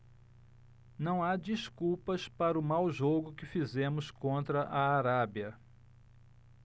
não há desculpas para o mau jogo que fizemos contra a arábia